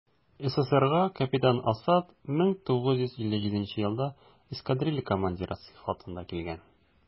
СССРга капитан Асад 1957 елда эскадрилья командиры сыйфатында килгән.